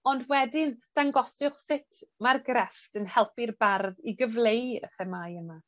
Ond wedyn dangosiwch sut mae'r grefft yn helpu'r bardd i gyfleu y themâu yma.